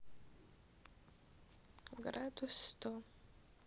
градус сто